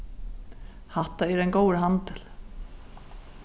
hatta er ein góður handil